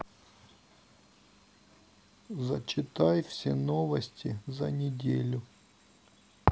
зачитай все новости за неделю